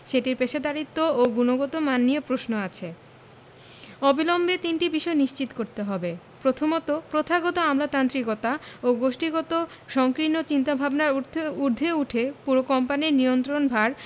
সেটির পেশাদারিত্ব ও গুণমান নিয়ে প্রশ্ন আছে অবিলম্বে তিনটি বিষয় নিশ্চিত করতে হবে প্রথমত প্রথাগত আমলাতান্ত্রিকতা ও গোষ্ঠীগত সংকীর্ণ চিন্তাভাবনার ঊর্ধ্বে উঠে পুরো কোম্পানির নিয়ন্ত্রণভার